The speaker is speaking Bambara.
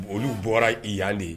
Olu bɔra i yanli